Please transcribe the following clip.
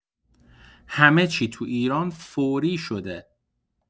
همه‌چی تو ایران «فوری» شده.